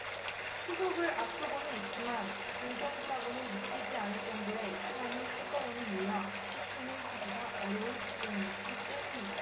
추석을 앞두고는 있지만 불경기라고는 믿기지 않을 정도의 사람이 한꺼번에 몰려 쇼핑을 하기가 어려울 지경이었기 때문이다